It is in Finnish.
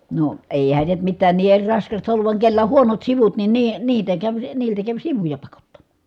no eihän se mitään niin eri raskasta ollut vaan kenellä on huonot sivut niin - niitä kävi niiltä kävi sivuja pakottamaan